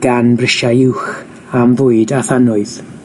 gan brisiau uwch am fwyd a thanwydd.